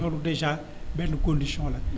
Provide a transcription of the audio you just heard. loolu dèjà benn condition la